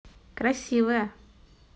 красивая